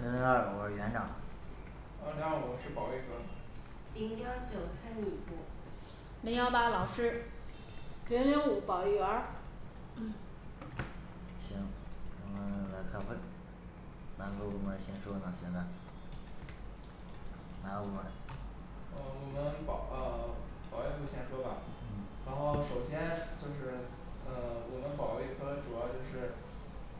零零二我是园长二零二我是保卫科零幺九餐饮部零幺八老师零零五保育员儿嗯行。咱们 来开会。哪个部门儿先说呢现在，哪个部门儿呃，我们保呃保卫部先说吧，然嗯后首先就是呃我们保卫科主要就是